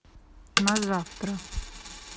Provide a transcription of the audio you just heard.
на завтра